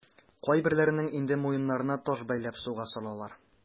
Кайберләренең инде муеннарына таш бәйләп суга салалар.